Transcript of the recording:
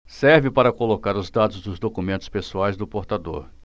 serve para colocar os dados dos documentos pessoais do portador